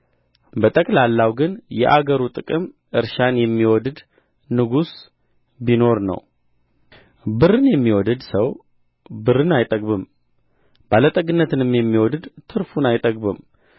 በጠቅላላው ግን የአገሩ ጥቅም እርሻን የሚወድድ ንጉሥ ቢኖር ነው ብርን የሚወድድ ሰው ብርን አይጠግብም ባለጠግነትንም የሚወድድ ትርፉን አይጠግብም